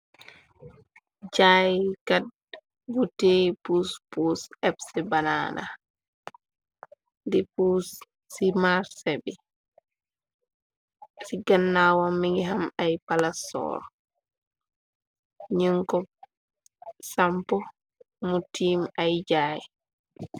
jaayikat butey pus pus eps banana di puus ci marsé bi ci gannawam mi ngi ham ay palasor nin ko sampu mu tiim ay jaay.